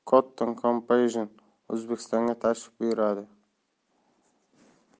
cotton campaign o'zbekistonga tashrif buyuradi